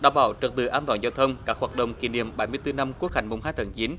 đảm bảo trật tự an toàn giao thông các hoạt động kỷ niệm bảy mươi tư năm quốc khánh mùng hai tháng chín